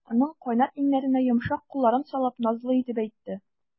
Аның кайнар иңнәренә йомшак кулларын салып, назлы итеп әйтте.